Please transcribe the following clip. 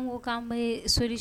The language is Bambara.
An ko ko an ye sodi